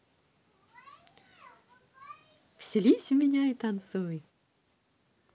вселись в меня и танцуй